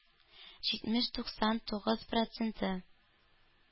Җитмеш-туксан тугыз проценты